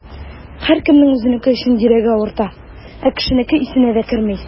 Һәркемнең үзенеке өчен йөрәге авырта, ә кешенеке исенә дә керми.